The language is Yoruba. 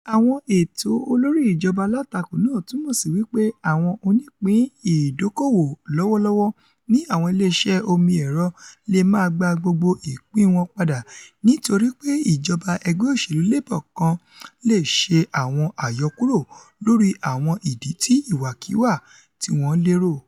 Àwọn ètò olóri ìjọba alátako náà túmọ̀ sí wí pé àwọn oníìpín ìdókòòwò lọ́wọ́lọ́wọ́ ní àwọn ilé iṣẹ́ omi-ẹ̀rọ leè má gba gbogbo ìpín wọn padà nítorípe ìjọba ẹgbẹ́ òṣ̵èlú Labour kan leè ṣe 'awọn àyọkúrò' lori àwọn ìdí ti ìwàkiwà ti wọn lérò.